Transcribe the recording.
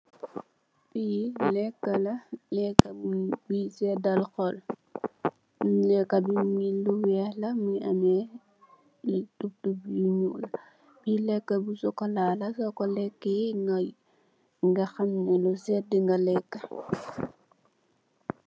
Li nekka la nekka bi sedal xol, lekka bi lu wèèx la mugii am tupu tupu yu ñuul. Be nekka lu sokola la so ko lékke ga xam NE yu seda ga lekka.